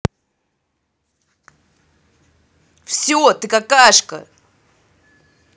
все ты какашка